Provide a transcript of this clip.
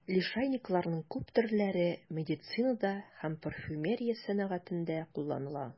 Лишайникларның күп төрләре медицинада һәм парфюмерия сәнәгатендә кулланыла.